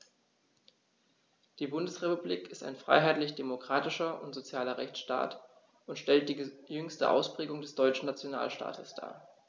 Die Bundesrepublik ist ein freiheitlich-demokratischer und sozialer Rechtsstaat und stellt die jüngste Ausprägung des deutschen Nationalstaates dar.